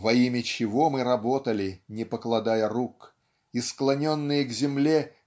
во имя чего мы работали не покладая рук и склоненные к земле